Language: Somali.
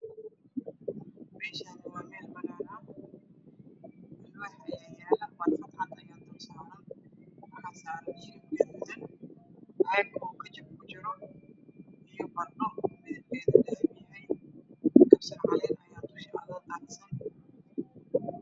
Meeshaan waa meel banaan ah alwaax ayaa yaalo baakad cad ayaa dulsaaran caag kajab kujiro iyo baradho midabkeedu dahabi yahay kabsar caleen ayaa dusha oga daadsan